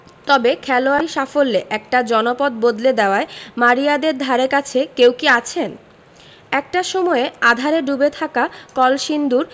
তবে খেলোয়াড়ি সাফল্যে একটা জনপদ বদলে দেওয়ায় মারিয়াদের ধারেকাছে কেউ কি আছেন একটা সময়ে আঁধারে ডুবে থাকা কলসিন্দুর